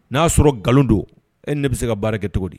N'a y'a sɔrɔ nkalon don e ne bɛ se ka baara kɛ cogo di